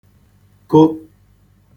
kụ